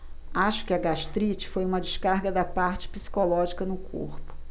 acho que a gastrite foi uma descarga da parte psicológica no corpo